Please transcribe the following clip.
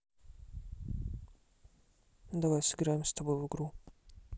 давай сыграем с тобой в игру